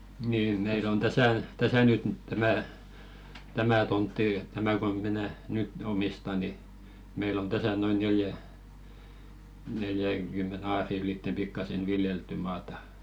niin meillä on tässä tässä nyt tämä tämä tontti tämä kun minä nyt omistan niin meillä on tässä noin - neljänkymmenen aarin ylitse pikkuisen viljeltyä maata